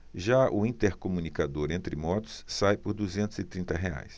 já o intercomunicador entre motos sai por duzentos e trinta reais